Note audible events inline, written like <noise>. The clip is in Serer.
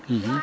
<hesitation> <hesitation>